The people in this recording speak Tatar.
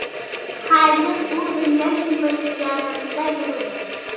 Хәзер ул дөнья чемпионатында юк иде.